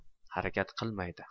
harakat qilmaydi